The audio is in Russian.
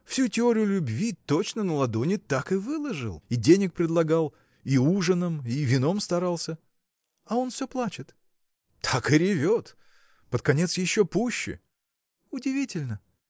всю теорию любви точно на ладони так и выложил, и денег предлагал. и ужином – и вином старался. – А он все плачет? – Так и ревет! под конец еще пуще. – Удивительно!